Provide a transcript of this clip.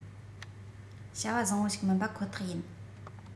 བྱ བ བཟང པོ ཞིག མིན པ ཁོ ཐག ཡིན